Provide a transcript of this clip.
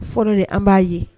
Fɔlɔ de an b'a ye